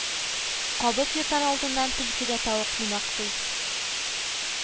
Кабып йотар алдыннан төлке дә тавыкны мактый